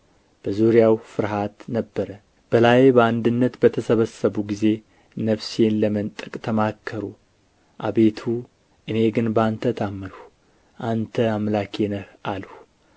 በዙሪያው ፍርሃት ነበረ በላዬ በአንድነት በተሰበሰቡ ጊዜ ነፍሴን ለመንጠቅ ተማከሩ አቤቱ እኔ ግን በአንተ ታመንሁ አንተ አምላኬ ነህ አልሁ